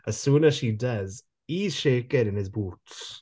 As soon as she does he's shaking in his boots.